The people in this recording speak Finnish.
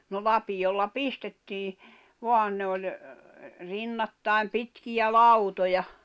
no lapiolla pistettiin vaan ne oli rinnattain pitkiä lautoja